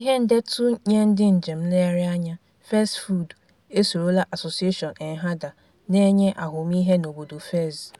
(Ihe ndetu nye ndị njem nlegharị anya: Fez Food esorola Association ENNAHDA na-enye ahụmịhe na obodo Fez.)